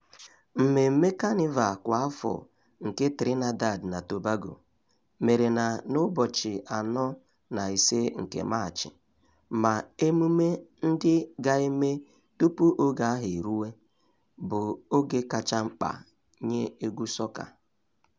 Mmemme Kanịva kwa afọ nke Trinidad na Tobago mere na n'ụbọchị 4 na 5 nke Maachị, ma emume ndị ga-eme tupu oge ahụ eruo bụ oge kacha mkpa nye egwu sọka.